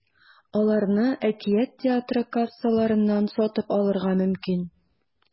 Аларны “Әкият” театры кассаларыннан сатып алырга мөмкин.